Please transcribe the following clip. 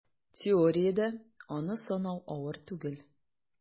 Теориядә аны санау авыр түгел: